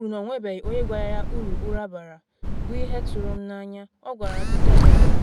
O kwuru na ọ nwebeghị onye gwara ya uru ụra bara- bụ ihe tụrụ m n’anya.’ ọ gwara The Telegraph.